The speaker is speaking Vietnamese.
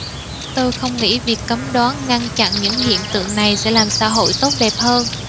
tôi không nghĩ việc cấm đoán ngăn chặn những hiện tượng này sẽ làm xã hội tốt đẹp hơn